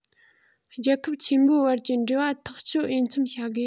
རྒྱལ ཁབ ཆེན པོའི བར གྱི འབྲེལ བ ཐག གཅོད འོས འཚམ བྱ དགོས